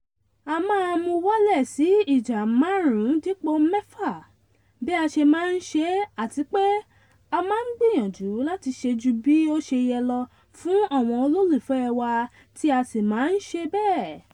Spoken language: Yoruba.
A máa mú wálẹ̀ sí ìjà márùn ún dípò mẹ́fà - bí a ṣe máa ń ṣe - àtipé a máa ń gbìyànjú láti ṣe jú bí ó ṣe yẹ lọ fún àwọn olólùfẹ́ wa tí a sì máa ń ṣe bẹ́ẹ̀.